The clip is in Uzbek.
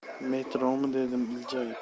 metromi dedim iljayib